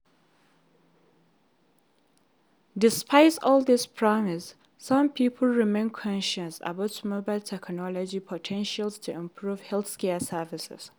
Despite all this promise, some people remain cautious about mobile technology's potential to improve healthcare services.